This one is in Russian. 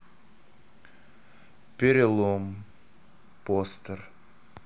перелом постер